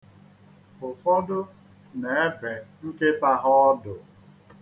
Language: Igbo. Ụfọdụ na-ebe nkịta ha ọdụ.